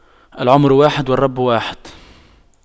العمر واحد والرب واحد